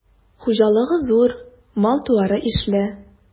Хуҗалыгы зур, мал-туары ишле.